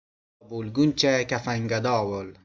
vatangado bo'lguncha kafangado bo'l